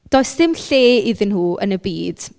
Does dim lle iddyn nhw yn y byd.